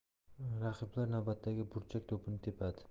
raqiblar navbatdagi burchak to'pini tepadi